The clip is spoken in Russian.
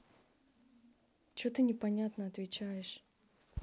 что ты непонятно отвечаешь